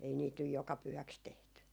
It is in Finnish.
ei niitä nyt joka pyhäksi tehty